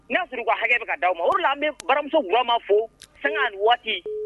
N'a suru ka hakɛ bɛ ka d dia ma olu la an bɛ baramusokura ma fo san ani waati